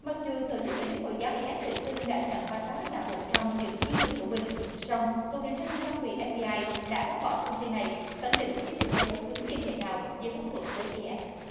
mặc dù tổ chức nhà nước hồi giáo i ét tự xưng đã chọn ba tát là một trong những chiến binh của mình song cục điều tra liên bang mỹ ép bi ai đã bác bỏ thông tin này khẳng định chưa tìm thấy bất cứ liên hệ nào giữa hung thủ với i ét